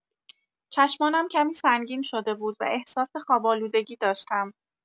چشمانم کمی سنگین شده بود و احساس خواب‌آلودگی داشتم.